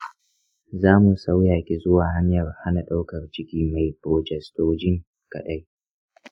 za mu sauya ki zuwa hanyar hana ɗaukar ciki mai progestogen kaɗai.